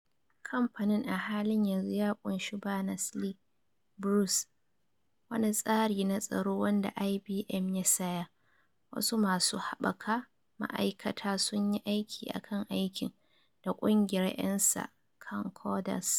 Kamfanin a halin yanzu ya ƙunshi Berners-Lee, Bruce, wani tsari na tsaro wanda IBM ya saya, wasu masu haɓaka ma'aikata sun yi aiki akan aikin, da ƙungiyar ‘yan sa kan coders.